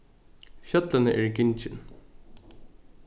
fjøllini eru gingin